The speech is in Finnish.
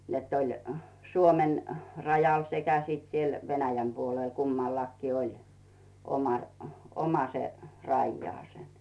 että oli Suomen rajalla sekä sitten siellä Venäjän puolella kummallakin oli oma oma se rajalla